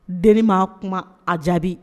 Dennin ma kuma a jaabi.